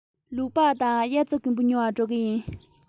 ལུག པགས དང དབྱར རྩྭ དགུན འབུ ཉོ བར འགྲོ གི ཡིན